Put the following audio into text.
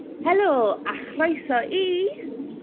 Helo a chroeso i...